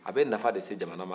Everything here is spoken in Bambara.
a bɛ nafa de se jamana ma